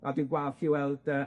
a dwi'n gwalch i weld yy...